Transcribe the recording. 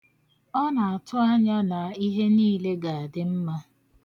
Ọ na-atụ anya na ihe niile ga-adị mma.